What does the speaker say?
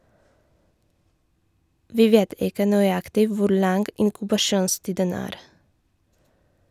- Vi vet ikke nøyaktig hvor lang inkubasjonstiden er.